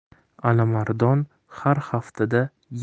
alimardon har haftada